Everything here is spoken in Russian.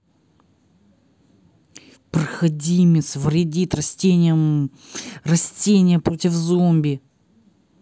проходимец вредит растениям растения против зомби